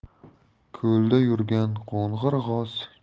ko'lda yurgan qo'ng'ir g'oz